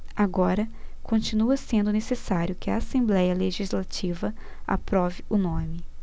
agora continua sendo necessário que a assembléia legislativa aprove o nome